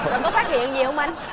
rồi có phát hiện gì hông anh